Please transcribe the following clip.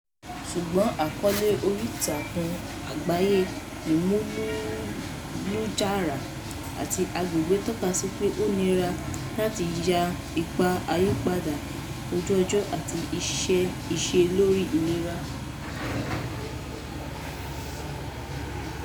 Ṣùgbọ́n àkọọ́lẹ̀ oríìtakùn àgbáyé Ìmúlùúlujára àti Agbègbè tọ́ka sí pé ó nira láti ya ipa àyípadà ojú-ọjọ́ àti ìṣẹ́ lórí ìlera.